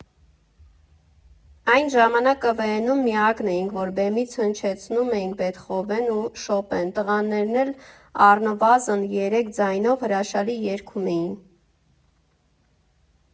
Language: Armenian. Այն ժամանակ ԿՎՆ֊ում միակն էինք, որ բեմից հնչեցնում էինք Բեթհովեն ու Շոպեն, տղաներն էլ առնվազն երեք ձայնով հրաշալի երգում էին։